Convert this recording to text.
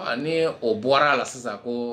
Aa ni o bɔra la sisan ko